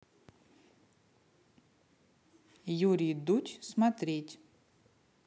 юрий дудь смотреть